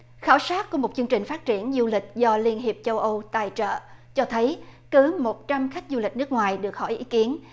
khảo sát của một chương trình phát triển du lịch do liên hiệp châu âu tài trợ cho thấy cứ một trăm khách du lịch nước ngoài được hỏi ý kiến